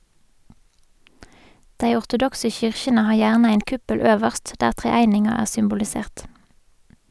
Dei ortodokse kyrkjene har gjerne ein kuppel øverst, der treeininga er symbolisert.